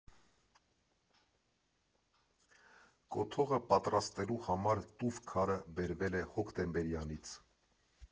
Կոթողը պատրաստելու համար տուֆ քարը բերվել է Հոկտեմբերյանից։